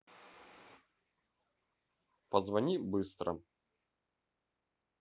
позвони быстро